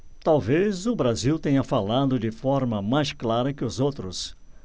talvez o brasil tenha falado de forma mais clara que os outros